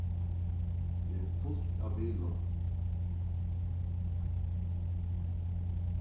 her er fult av bilum